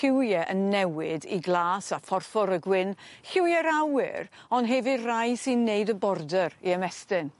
lliwie yn newid i glas a phorffor a gwyn lliwie'r awyr on' hefy' rai sy neud y border i ymestyn.